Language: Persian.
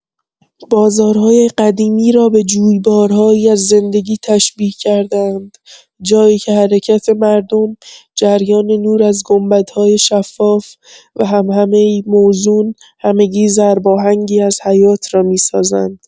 بازارهای قدیمی را به جویبارهایی از زندگی تشبیه کرده‌اند، جایی که حرکت مردم، جریان نور از گنبدهای شفاف، و همهمه‌ای موزون، همگی ضرباهنگی از حیات را می‌سازند.